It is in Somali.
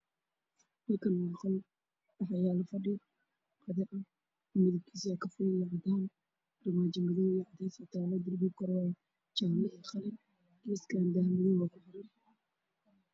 Halkani waa qol fadhi ayaa yaalo midabkiisu yahay qaxwo